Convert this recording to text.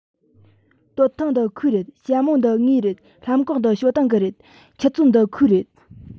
སྟོད ཐུང འདི ཁོའི རེད ཞྭ མོ འདི ངའི རེད ལྷམ གོག འདི ཞའོ ཏིང གི རེད ཆུ ཚོད འདི ཁོའི རེད